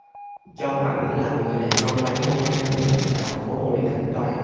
trong ảnh là người đàn ông bán ngô đêm tại đầu phố nguyễn khánh toàn